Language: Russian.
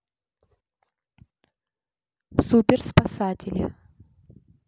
супер спасатели